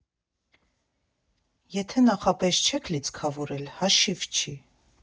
Եթե նախապես չեք լիցքավորել՝ հաշիվ չի։